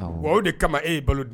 O o de kama e ye balo di